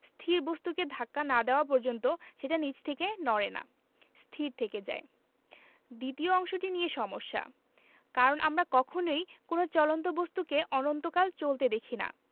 স্থির বস্তুকে ধাক্কা না দেওয়া পর্যন্ত সেটা নিজে থেকে নড়ে না স্থির থেকে যায় দ্বিতীয় অংশটি নিয়ে সমস্যা কারণ আমরা কখনোই কোনো চলন্ত বস্তুকে অনন্তকাল চলতে দেখি না